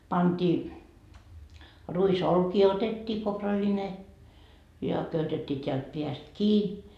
pantiin ruisolkia otettiin kourallinen ja köytettiin täältä päästä kiinni